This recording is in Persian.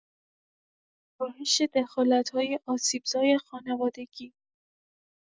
کاهش دخالت‌های آسیب‌زای خانوادگی